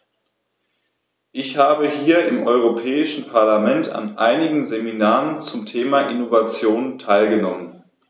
Ich habe hier im Europäischen Parlament an einigen Seminaren zum Thema "Innovation" teilgenommen.